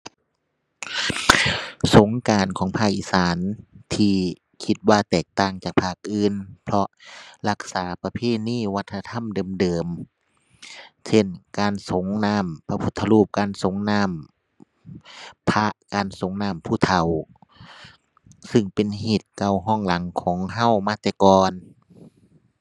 สงกรานต์ของภาคอีสานที่คิดว่าแตกต่างจากภาคอื่น เพราะรักษาประเพณีวัฒนธรรมเดิมเดิม เช่น การสรงน้ำพระพุทธรูป การสรงน้ำพระ การสรงน้ำผู้เฒ่า ซึ่งเป็นฮีตเก่าคองหลังของเรามาแต่ก่อน